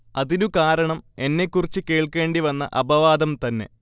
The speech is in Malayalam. അതിനു കാരണം എന്നെക്കുറിച്ചു കേൾക്കേണ്ടി വന്ന അപവാദം തന്നെ